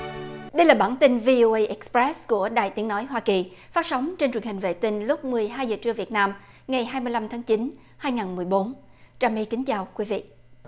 đây là bản tin vi ô ây ích phét của đài tiếng nói hoa kỳ phát sóng trên truyền hình vệ tinh lúc mười hai giờ trưa việt nam ngày hai mươi lăm tháng chín hai ngàn mười bốn trà my kính chào quý vị